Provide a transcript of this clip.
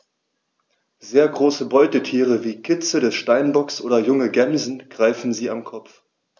Sehr große Beutetiere wie Kitze des Steinbocks oder junge Gämsen greifen sie am Kopf.